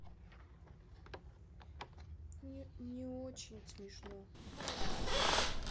не очень смешно